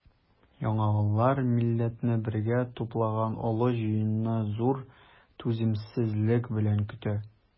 Яңавыллар милләтне бергә туплаган олы җыенны зур түземсезлек белән көтә.